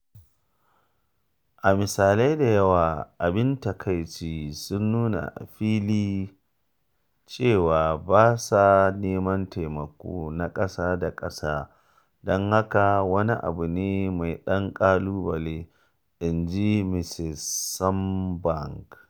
“A misalai da yawa, abin takaici, sun nuna a fili cewa ba sa neman taimako na ƙasa-da-ƙasa, don haka wani abu ne mai ɗan ƙalubale,” inji Misis Sumbung.